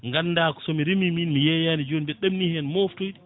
ganda ko somi remi min mi yeeyani joni mbiɗa ɗamini hen moftoyde